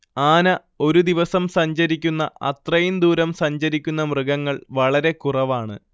ആന ഒരു ദിവസം സഞ്ചരിക്കുന്ന അത്രയും ദൂരം സഞ്ചരിക്കുന്ന മൃഗങ്ങൾ വളരെ കുറവാണ്